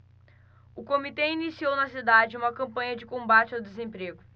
o comitê iniciou na cidade uma campanha de combate ao desemprego